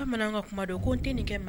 Bamanan ka kuma don ko n tɛ nin kɛ